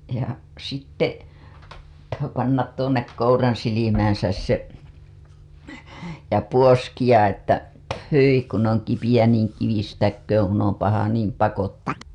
ja sitten pthu panna tuonne kouransilmäänsä se ja puoskia että hyi kun on kipeä niin kivistäköön kun on paha niin pakottakoon